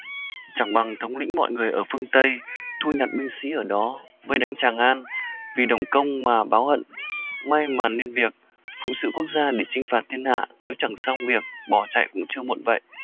chẳng bằng thống lĩnh mọi người ở phương tây thu nhặt binh sĩ ở đó vây đánh tràng an vì đổng công mà báo hận may mà nên việc phụng sự quốc gia để chinh phạt thiên hạ nếu chẳng xong việc bỏ chạy cũng chưa muộn vậy